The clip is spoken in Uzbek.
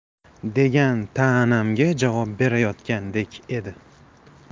degan ta'namga javob berayotgandek edi